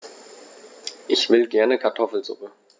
Ich will gerne Kartoffelsuppe.